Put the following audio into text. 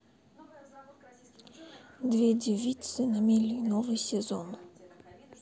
две девицы на мели новый сезон